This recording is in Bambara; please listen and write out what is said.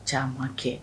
Caman kɛ